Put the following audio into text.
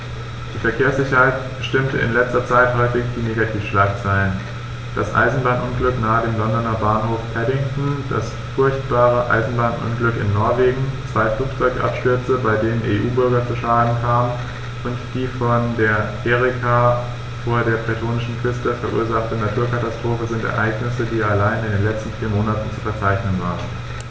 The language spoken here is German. Die Verkehrssicherheit bestimmte in letzter Zeit häufig die Negativschlagzeilen: Das Eisenbahnunglück nahe dem Londoner Bahnhof Paddington, das furchtbare Eisenbahnunglück in Norwegen, zwei Flugzeugabstürze, bei denen EU-Bürger zu Schaden kamen, und die von der Erika vor der bretonischen Küste verursachte Naturkatastrophe sind Ereignisse, die allein in den letzten vier Monaten zu verzeichnen waren.